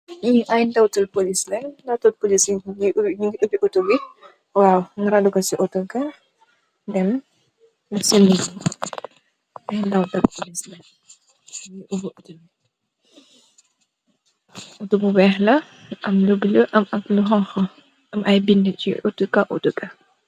Li aye autor police la kena si nyum munge ebeh autor bi munge am lu bulah lu wekh lu xong khu ak aye binduh si kaw